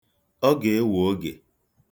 Ọ ga-ewe oge.